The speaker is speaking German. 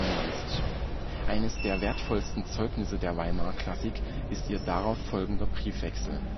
1796). Eines der wertvollsten Zeugnisse der Weimarer Klassik ist ihr darauf folgender Briefwechsel